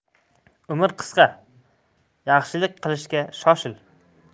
umr qisqa yaxshilik qilishga shoshil